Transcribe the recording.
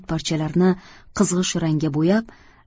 parchalarini qizg'ish rangga bo'yab